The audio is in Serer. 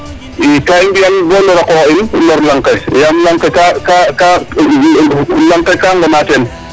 II ka i mbi'an bo lora qopx in i lor lanq ke yaam lang ke ka ka ka lanq ke gaa nqonaq teen.